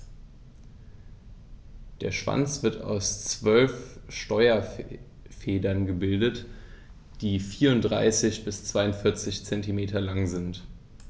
Der Schwanz wird aus 12 Steuerfedern gebildet, die 34 bis 42 cm lang sind.